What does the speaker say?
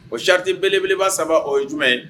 Ocaatibelebeleba saba o ye jumɛn ye